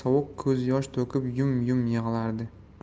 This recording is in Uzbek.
sovuq ko'z yosh to'kib yum yum yiglardi